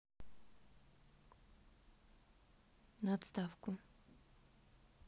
на отставку